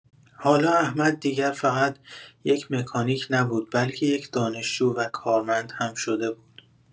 حالا احمد دیگر فقط یک مکانیک نبود، بلکه یک دانشجو و کارمند هم شده بود.